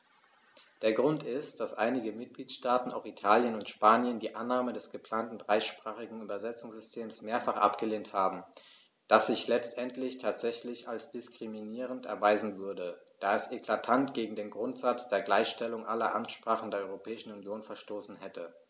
Der Grund ist, dass einige Mitgliedstaaten - auch Italien und Spanien - die Annahme des geplanten dreisprachigen Übersetzungssystems mehrfach abgelehnt haben, das sich letztendlich tatsächlich als diskriminierend erweisen würde, da es eklatant gegen den Grundsatz der Gleichstellung aller Amtssprachen der Europäischen Union verstoßen hätte.